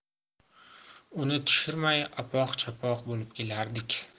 uni tushirmay apoq chapoq bo'lib kelardik